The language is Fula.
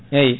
eyyi